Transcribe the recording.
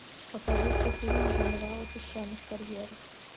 покажите фильм генералы песчаных карьеров